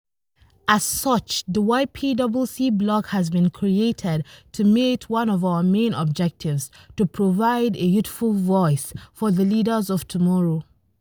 As such, the YPWC Blog has been created to meet one of our main objectives: to provide a “youthful voice” for the leaders of tomorrow.